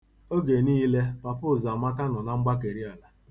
Oge niile, Papa Ụzọamaka nọ na mgbakeriala.